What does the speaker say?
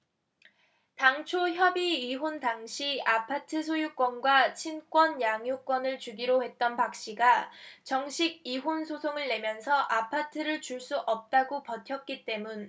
당초 협의이혼 당시 아파트 소유권과 친권 양육권을 주기로 했던 박씨가 정식 이혼 소송을 내면서 아파트를 줄 수 없다고 버텼기 때문